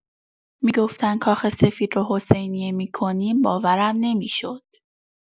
می‌گفتن کاخ سفید رو حسینیه می‌کنیم باورم نمی‌شد!